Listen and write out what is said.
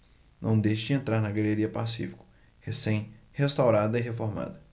não deixe de entrar na galeria pacífico recém restaurada e reformada